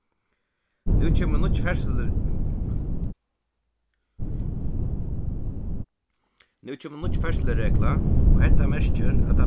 nú kemur nýggj nú kemur nýggj ferðsluregla og hetta merkir at tað